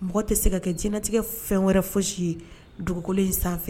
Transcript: Mɔgɔ tɛ se ka kɛ jinɛtigɛ fɛn wɛrɛ fosi ye dugukolo in sanfɛ